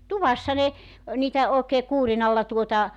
tuvassa ne niitä oikein kuurinalla tuota